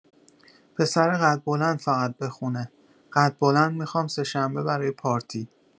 پسر قد بلند فقط بخونه قد بلند میخوام سه‌شنبه برای پارتی